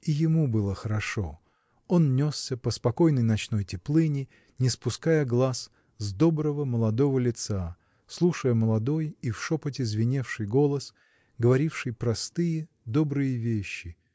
И ему было хорошо: он несся по спокойной ночной теплыни, не спуская глаз с доброго молодого лица, слушая молодой и в шепоте звеневший голос, говоривший простые, добрые вещи